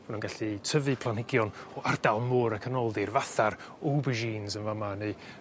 ma' nw'n gallu tyfu planhigion o ardal môr y canoldir fatha'r aubergines yn fa' 'ma neu